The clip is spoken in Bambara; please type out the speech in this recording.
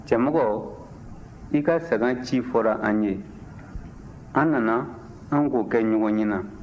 cɛmɔgɔ i ka sangaci fɔra an ye an nana an k'o kɛ ɲɔgɔn ɲɛna